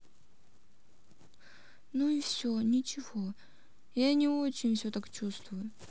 ну и все ничего я не очень все так чувствую